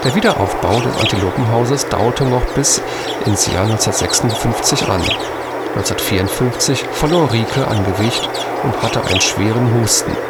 Wiederaufbau des Antilopenhauses dauerte noch bis ins Jahr 1956 an. 1954 verlor Rieke an Gewicht und hatte einen schweren Husten